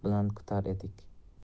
bilan kutar edik